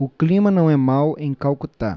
o clima não é mau em calcutá